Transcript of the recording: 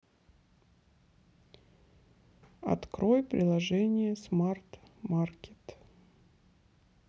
открой приложение смарт маркет